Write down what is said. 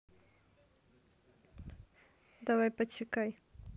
давай подсекай